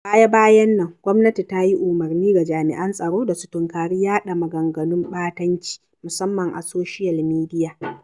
A baya-bayan nan, gwamnati ta yi umarni ga jami'an tsaro da su "tunkari yaɗa maganganun ɓatanci, musamman a soshiyal midiya".